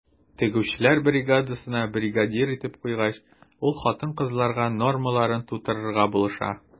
Тегүчеләр бригадасына бригадир итеп куйгач, ул хатын-кызларга нормаларын тутырырга булыша.